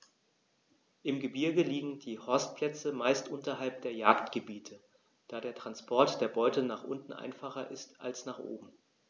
Im Gebirge liegen die Horstplätze meist unterhalb der Jagdgebiete, da der Transport der Beute nach unten einfacher ist als nach oben.